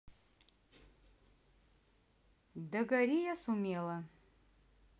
да гори я сумела